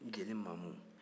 jeli maamu